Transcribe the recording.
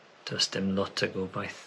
Do's dim lot o gobaith